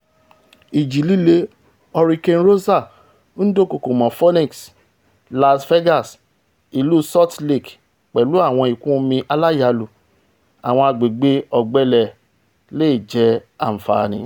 Ìjì-líle Hurricane Rosa ńdúnkòokò mọ́ Phoenix, Las Vegas, Ìlú Salt Lake pẹ̀lú Ìkún-omi aláyalù (Àwọn agbègbè̀̀ Ọ̀gbẹlẹ̀ leè jẹ́ Àǹfààní)